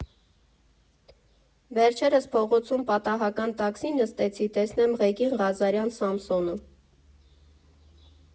Վերջերս փողոցում պատահական տաքսի նստեցի, տեսնեմ՝ ղեկին Ղազարյան Սամսոնը։